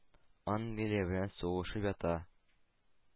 Англия белән сугышып ята.